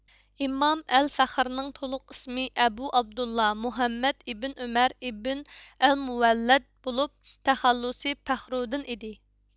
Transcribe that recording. ئىمام ئەلفەخرنىڭ تولۇق ئىسمى ئەبۇ ئابدۇللاھ مۇھەممەد ئىبن ئۆمەر ئىبن ئەلمۇۋەللەد بولۇپ تەخەللۇسى پەخرۇدىن ئىدى